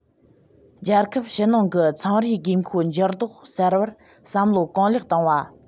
རྒྱལ ཁབ ཕྱི ནང གི ཚོང རའི དགོས མཁོའི འགྱུར ལྡོག གསར པར བསམ བློ གང ལེགས བཏང བ